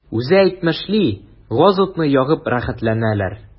Үзе әйтмешли, газ-утны ягып “рәхәтләнәләр”.